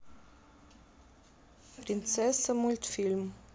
принцесса мультфильм